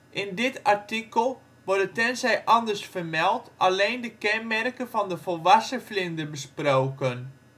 In dit artikel worden tenzij anders vermeld alleen de kenmerken van de volwassen vlinder besproken